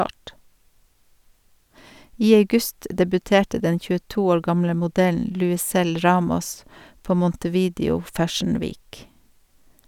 I august debuterte den 22 år gamle modellen Luisel Ramos på Montevideo Fashion Week.